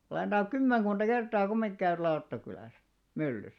olen tainnut kymmenkunta kertaa kumminkin käydä Lauttakylässä myllyssä